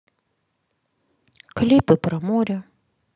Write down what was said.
клипы про море